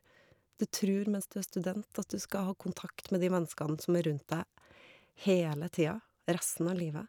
Du tror mens du er student at du skal ha kontakt med de menneskene som er rundt deg, hele tida, resten av livet.